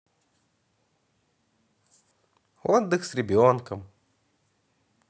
отдых с ребенком